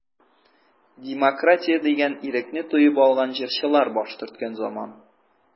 Демократия дигән ирекне тоеп алган җырчылар баш төрткән заман.